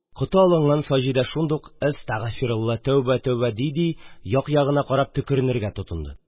Коты алынган Саҗидә шундук: «Әстәгъфирулла! Тәүбә, тәүбә!» – ди-ди, як-ягына карап төкеренергә тотынды.